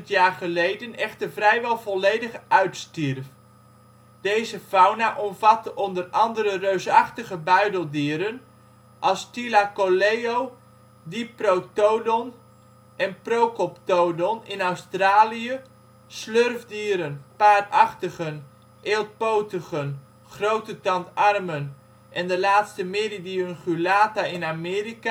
jaar geleden echter vrijwel volledig uitstierf. Deze fauna omvatte onder andere reusachtige buideldieren als Thylacoleo, Diprotodon en Procoptodon in Australië, slurfdieren, paardachtigen, eeltpotigen, grote tandarmen en de laatste Meridiungulata in Amerika